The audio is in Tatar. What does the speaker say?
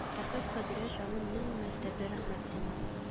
Рәхмәт сабира җаным мең мәртәбә рәхмәт сиңа